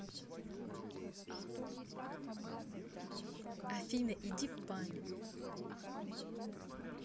афина иди в баню